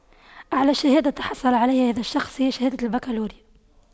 أعلى شهادة تحصل عليها هذا الشخص هي شهادة البكالوريا